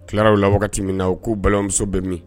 Tilararaw la wagati min na ko balimamuso bɛ min